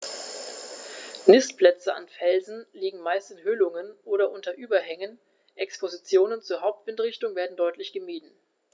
Nistplätze an Felsen liegen meist in Höhlungen oder unter Überhängen, Expositionen zur Hauptwindrichtung werden deutlich gemieden.